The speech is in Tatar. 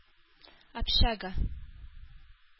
Общага